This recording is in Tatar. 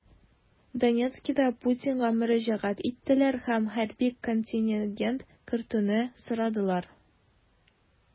Донецкида Путинга мөрәҗәгать иттеләр һәм хәрби контингент кертүне сорадылар.